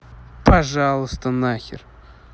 пожалуйста нахер